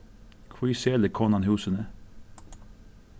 hví selur konan húsini